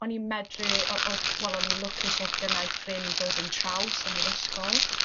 o'n i'n medru o- odd wel o'n i'n lwcus odd genna i ffrind oedd yn traws yn yr ysgol